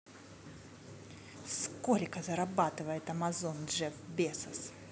сколько зарабатывает amazon джефф безос